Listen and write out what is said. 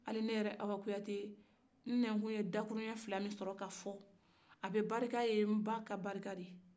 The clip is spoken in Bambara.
hali ne yɛrɛ awa kuyate n nɛkun ye dakuruɲɛ fila min sɔrɔ ka fɔ a bɛɛ barika ye n ba barika de ye